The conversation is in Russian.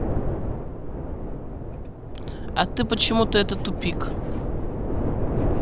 а ты почему то это тупик